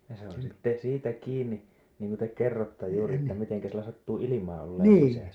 ja se on sitten siitä kiinni niin kuin te kerrotte juuri että miten sillä sattuu ilmaa olemaan sisässä